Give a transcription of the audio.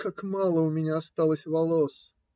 Как мало у меня осталось волос!